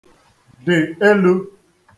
dị elū